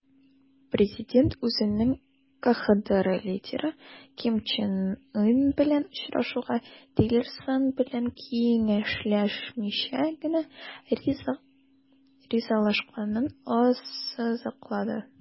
Президент үзенең КХДР лидеры Ким Чен Ын белән очрашуга Тиллерсон белән киңәшләшмичә генә ризалашканын ассызыклады.